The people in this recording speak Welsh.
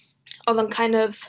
Oedd o'n kind of...